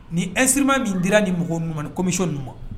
Ni instrument min dira nin mɔgɔ ninnu ma, nin commission ninnu ma